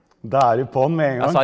da er det på den med en gang.